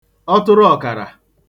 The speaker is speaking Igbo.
ọtụrụọ̀kàrà